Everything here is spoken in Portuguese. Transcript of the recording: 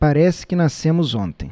parece que nascemos ontem